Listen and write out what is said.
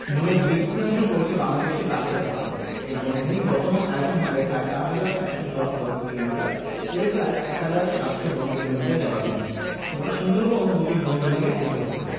বনের দুই তৃতীয়াংশ পড়েছে বাংলাদেশে বাকিটা ভারতে এই বনভূমির বর্তমান আয়তন হবে প্রায় ৪ হাজার ১১০ বর্গ কিলোমিটার এর প্রায় ১হাজার ৭০০ বর্গ কিলোমিটার জলাভূমি গোটা সুন্দরবন দুটি বন বিভাগের অন্তর্ভুক্ত